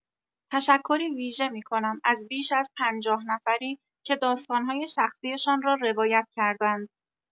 تشکری ویژه می‌کنم از بیش از پنجاه‌نفری که داستان‌های شخصی‌شان را روایت کردند.